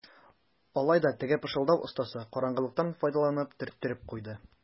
Алай да теге пышылдау остасы караңгылыктан файдаланып төрттереп куйды.